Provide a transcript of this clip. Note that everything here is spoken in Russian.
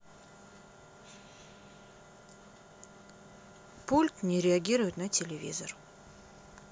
пульт не реагирует на телевизор